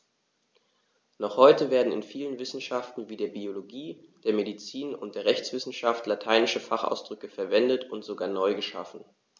Noch heute werden in vielen Wissenschaften wie der Biologie, der Medizin und der Rechtswissenschaft lateinische Fachausdrücke verwendet und sogar neu geschaffen.